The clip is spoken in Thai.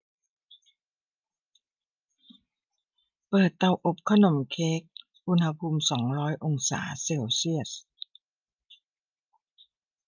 เปิดเตาอบขนมเค้กอุณหภูมิสองร้อยองศาเซลเซียส